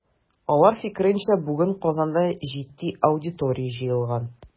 Алар фикеренчә, бүген Казанда җитди аудитория җыелган.